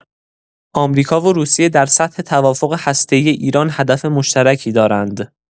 آمریکا و روسیه در سطح توافق هسته‌ای ایران هدف مشترکی دارند.